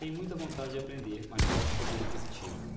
tenho muita vontade de aprender mas baixo poder aquisitivo